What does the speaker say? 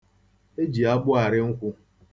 E ji agbụ arị nkwu.